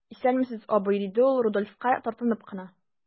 Исәнмесез, абый,– диде ул Рудольфка, тартынып кына.